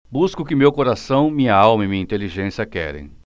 busco o que meu coração minha alma e minha inteligência querem